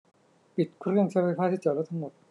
ปิดเครื่องใช้ไฟฟ้าที่จอดรถทั้งหมด